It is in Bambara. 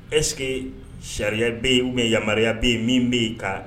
Ɛsseke que sariya bɛ yen mɛ yamaruya bɛ yen min bɛ yen kan